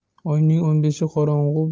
oyning o'n beshi qorong'u